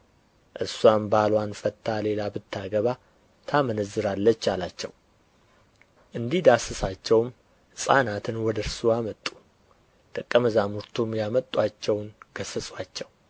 እርስዋም ባልዋን ፈትታ ሌላ ብታገባ ታመነዝራለች አላቸው እንዲዳስሳቸውም ሕፃናትን ወደ እርሱ አመጡ ደቀ መዛሙርቱም ያመጡአቸውን ገሠጹአቸው